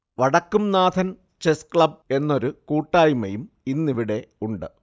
Vadakkumnathan chess club എന്നൊരു കൂട്ടായ്മയും ഇന്നിവിടെ ഉണ്ട്